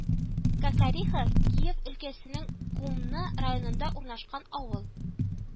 Кокориха Киев өлкәсенең Кум ны районында урнашкан авыл